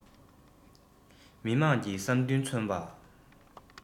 མི དམངས ཀྱི བསམ འདུན མཚོན པ